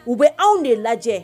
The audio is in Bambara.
U bɛ anw de lajɛ